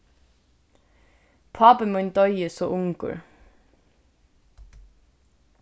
pápi mín doyði so ungur